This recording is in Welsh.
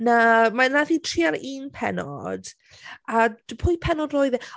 Na mae... wnaeth hi trial un pennod a t... pwy pennod oedd e?